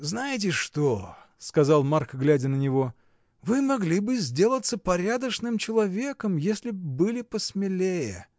— Знаете что, — сказал Марк, глядя на него, — вы могли бы сделаться порядочным человеком, если б были посмелее!